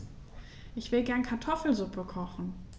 Ich will gerne Kartoffelsuppe kochen.